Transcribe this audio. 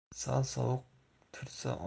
sal sovuq tursa